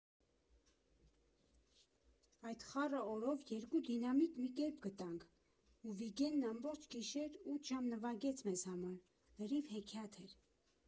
Այդ խառը օրով երկու դինամիկ մի կերպ գտանք, ու Վիգենն ամբողջ գիշեր՝ ութ ժամ նվագեց մեզ համար, լրիվ հեքիաթ էր։